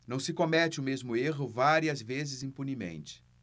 não se comete o mesmo erro várias vezes impunemente